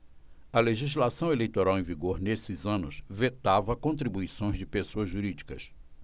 a legislação eleitoral em vigor nesses anos vetava contribuições de pessoas jurídicas